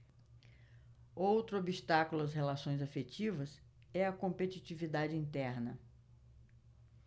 outro obstáculo às relações afetivas é a competitividade interna